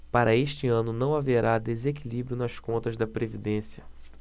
para este ano não haverá desequilíbrio nas contas da previdência